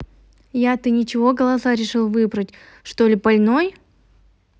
я ты ничего голоса решил выбрать что ли больное